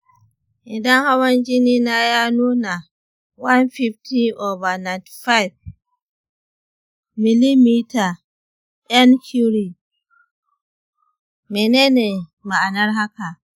idan hawan jini na ya nuna 150/95 mmhg menene ma'anar haka?